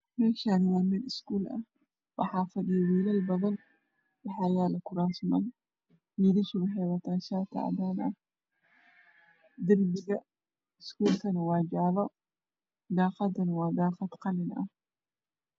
Meshan waa mel iskuul ah aaxa fadhiyo wll banan waxa yalo kuraasman wllsha waxey waatan shati cadan ah dirbigan waa jale daqadan waa qalin